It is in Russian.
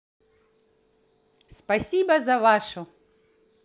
спасибо за вашу